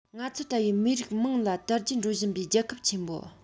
ང ཚོ ལྟ བུའི མི རིགས མང ལ དར རྒྱས འགྲོ བཞིན པའི རྒྱལ ཁབ ཆེན པོ